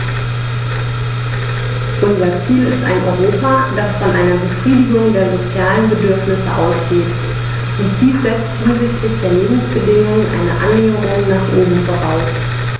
Unser Ziel ist ein Europa, das von einer Befriedigung der sozialen Bedürfnisse ausgeht, und dies setzt hinsichtlich der Lebensbedingungen eine Annäherung nach oben voraus.